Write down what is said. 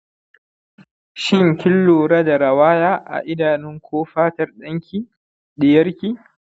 shin kin lura da rawaya a idanun ko fatar ɗanki/ɗiyarki